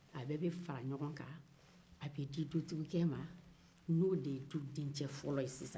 a bɛɛ bɛ fara ɲɔgɔn kan a bɛ di dutigicɛ ma n'o d ye du denkɛfɔlɔ ye